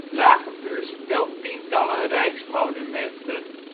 Lage Vuursche telt tientallen rijksmonumenten